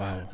waaw